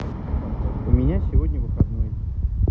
у меня сегодня выходной